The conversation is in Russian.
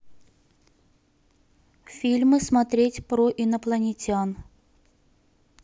фильмы смотреть про инопланетян